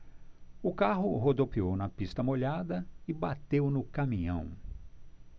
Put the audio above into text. o carro rodopiou na pista molhada e bateu no caminhão